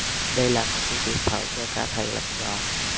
đây là một sự thiệt thòi cho cả thầy lẫn trò